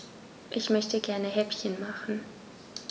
Ich möchte gerne Häppchen machen.